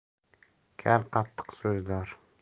kar qattiq so'zlar